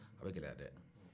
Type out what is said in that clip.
a bɛ gɛlɛya de